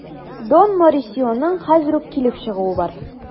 Дон Морисионың хәзер үк килеп чыгуы бар.